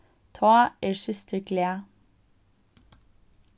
tá er systir glað